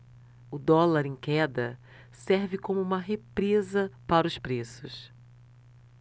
o dólar em queda serve como uma represa para os preços